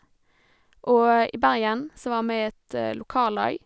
Og i Bergen så var jeg med i et lokallag.